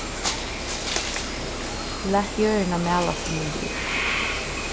lat jørðina mala sum hon vil